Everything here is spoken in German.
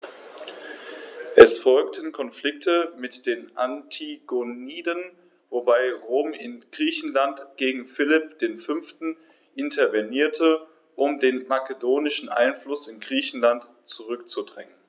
Es folgten Konflikte mit den Antigoniden, wobei Rom in Griechenland gegen Philipp V. intervenierte, um den makedonischen Einfluss in Griechenland zurückzudrängen.